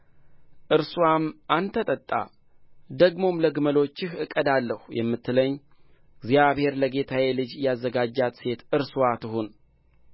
እርስዋም አንተ ጠጣ ደግሞም ለግመሎችህ እቀዳለሁ የምትለኝ እግዚአብሔር ለጌታዬ ልጅ ያዘጋጃት ሴት እርስዋ ትሁን